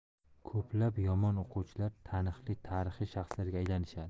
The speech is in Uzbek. ko'plab yomon o'quvchilar taniqli tarixiy shaxslarga aylanishdi